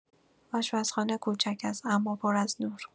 آشپزخانه کوچک است، اما پر از نور.